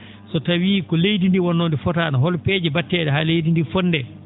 so tawii ko leydi ndii wonnoo ndi fotaano hol peeje mba?etee?e haa leydi ndii fondee